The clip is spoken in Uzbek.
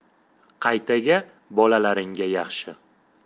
qaytaga bolalaringga yaxshi